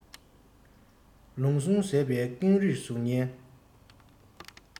ལུས ཟུངས ཟད པའི ཀེང རུས གཟུགས བརྙན